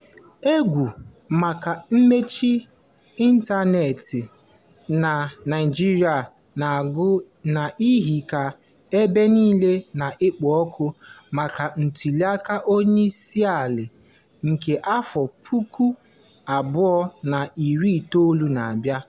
Égwù maka mmechi ịntaneetị na Naịjirịa na-aga n'ihu ka ebe niile na-ekpo ọkụ maka ntụliaka onyeisiala nke afọ 2019 na-abịa.